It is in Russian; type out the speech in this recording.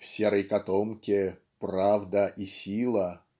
"в серой котомке - правда и сила"